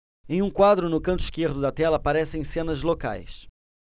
em um quadro no canto esquerdo da tela aparecem cenas locais